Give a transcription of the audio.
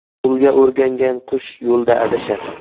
qo'lga o'rgangan qush qirda adashar